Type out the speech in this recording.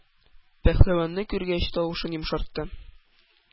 Пәһлеванны күргәч, тавышын йомшартты: